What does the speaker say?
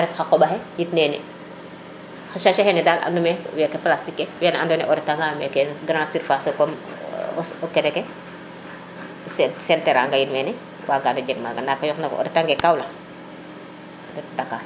te ref xa qoɓaxe yit nene xa sachet xene dal andume wake plastique wene andume o reta nga meke grande surface comme o kene ke sen teranga yin mene waga no jeg maga nda ke yoq na koy o reta nge Kaolack ret Dackar